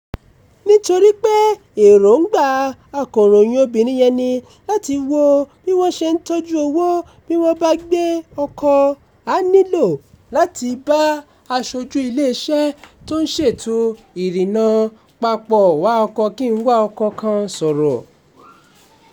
Nítorí pé èròńgbà Akọ̀ròyìn obìnrin yẹn ni láti wo bí wọ́n ṣe ń tọ́jú owó bí wọ́n bá gbé ọkọ̀, a nílò láti bá aṣojú iléeṣẹ́ tó ń ṣètò ìrìnnà-papọ̀-wa-ọkọ̀-kí-n-wa-ọkọ̀ kan sọ̀rọ̀